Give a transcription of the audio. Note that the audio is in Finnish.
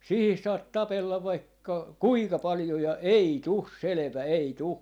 siihen saat tapella vaikka kuinka paljon ja ei tule selvä ei tule